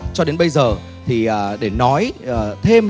cho đến bây giờ thì à để nói à thêm